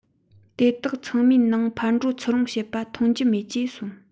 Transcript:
དེ དག ཚང ནང ཕར འགྲོ ཚུར འོངས བྱེད པ མཐོང རྒྱུ མེད ཅེས གསུངས